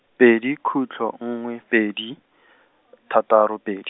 pedi khutlo nngwe pedi , thataro pedi.